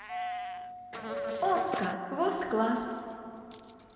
okko вост класс